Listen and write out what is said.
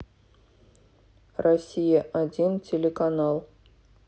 россия один телеканал